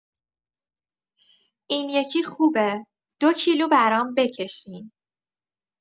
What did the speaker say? این یکی خوبه، دو کیلو برام بکشین.